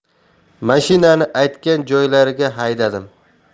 mashinani aytgan joylariga haydadim